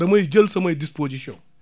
damay jël samay dispositions